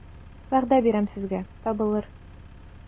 Вәгъдә бирәм сезгә, табылыр...